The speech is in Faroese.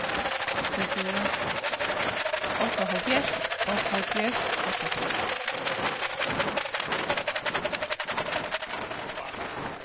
seksogtjúgu áttaoghálvfjerðs áttaoghálvfjerðs áttaoghálvfjerðs